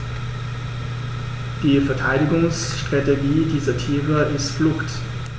Die Verteidigungsstrategie dieser Tiere ist Flucht.